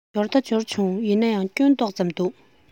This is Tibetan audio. འབྱོར ད འབྱོར བྱུང ཡིན ནའི སྐྱོན ཏོག ཙམ འདུག